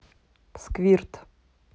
сквирт